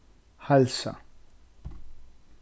heilsa